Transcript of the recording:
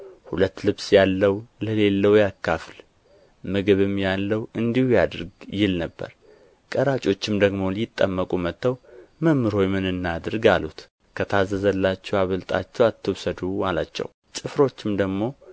ሁለት ልብስ ያለው ለሌለው ያካፍል ምግብም ያለው እንዲሁ ያድርግ ይል ነበር ቀራጮችም ደግሞ ሊጠመቁ መጥተው መምህር ሆይ ምን እናድርግ አሉት ከታዘዘላችሁ አብልጣችሁ አትውሰዱ አላቸው ጭፍሮችም ደግሞ